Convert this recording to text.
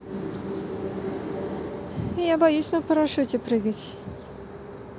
я боюсь на парашюте прыгать